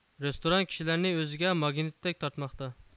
رېستوران كىشىلەرنى ئۆزىگە ماگنىتتەك تارتماقتا